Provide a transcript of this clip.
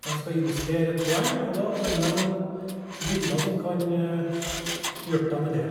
Dem skal illustrere et poeng, og da trenger dem noen bilder som kan hjelpe dem med dét.